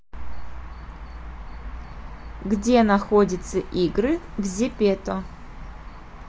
где находится игры в зепето